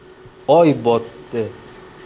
oy botdi